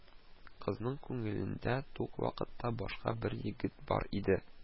Кызның күңелендә, кайчандыр тук вакытта башка бер егет бар иде